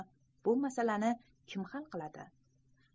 bu masalani kim hal qiladi